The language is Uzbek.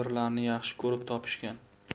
birlarini yaxshi ko'rib topishgan